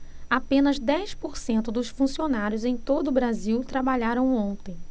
apenas dez por cento dos funcionários em todo brasil trabalharam ontem